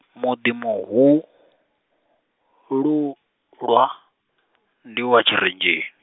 muḓi muhululwa, ndi wa Tshirenzheni.